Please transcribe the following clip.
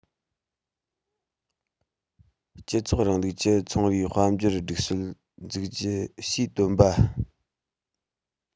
སྤྱི ཚོགས རིང ལུགས ཀྱི ཚོང རའི དཔལ འབྱོར སྒྲིག སྲོལ འཛུགས རྒྱུ ཞེས བཏོན པ